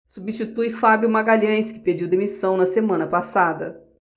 substitui fábio magalhães que pediu demissão na semana passada